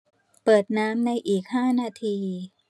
เปิดน้ำในอีกห้านาที